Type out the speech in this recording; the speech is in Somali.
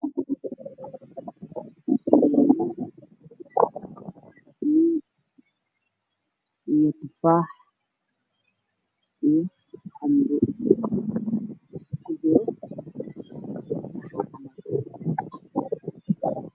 Waa weel waxaa ku jira liin farabadan midabkeedu yahay jaalo oo jarjaraan